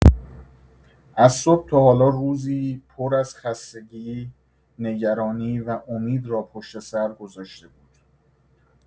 از صبح تا حالا روزی پر از خستگی، نگرانی و امید را پشت‌سر گذاشته بود.